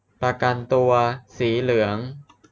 ประกันตัวสีเหลือง